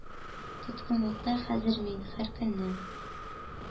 Тоткынлыкта хәзер мин... һәр көнне